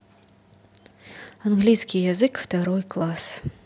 английский язык второй класс